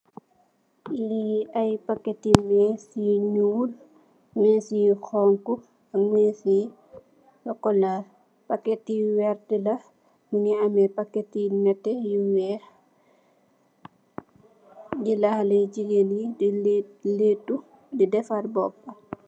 Lii ay pakketi meesi yu nyuul, meesi xonxu, meesi sokolaa. Pakketi werta la, mu ngi am pakketi weex. Lii la xaleyi jigeen i di leetu, di defar boopu.